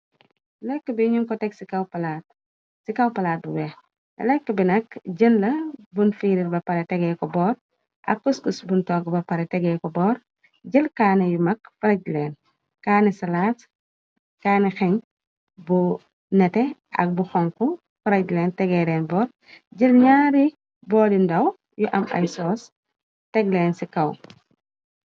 Lekke bi ñun ko teg ci kaw palaat bu weex lekk bi nakk jën la bun fiirir ba pare tegee ko boor ak uskus bun togg ba pare tegee ko boor jël kanne yu mag fridland kanne sa laat kaane xen bu nete ak bu xonku fridlend tegeeleen bool jël ñyaari booli ndaw yu am ay sos tegleen ci kaw.